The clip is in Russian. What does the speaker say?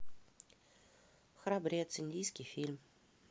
храбрец индийский фильм